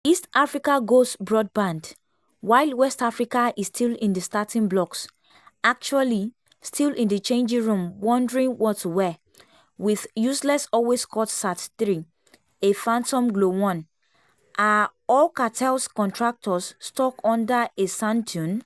East Africa goes broadband…while West Africa is still in the starting blocks (actually, still in the changing room wondering what to wear) with useless always-cut SAT3, a phantom Glo1 (are Alcatel's contractors stuck under a sand dune?)